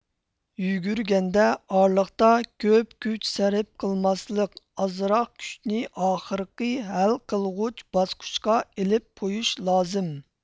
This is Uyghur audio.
يۈگۈرگەندە ئارىلىقتا كۆپ كۈچ سەرپ قىلماسلىق ئازراق كۈچنى ئاخىرقى ھەل قىلغۇچ باسقۇچقا ئېلىپ قويۇش لازىم